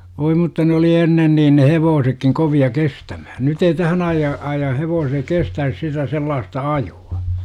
voi mutta ne oli ennen niin ne hevosetkin kovia kestämään nyt ei tähän - ajan hevoset kestäisi sitä sellaista ajoa